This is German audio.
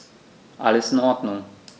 Alles in Ordnung.